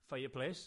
Fireplace.